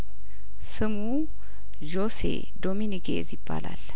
ስሙ ዦሴ ዶሚኒጌዝ ይባላል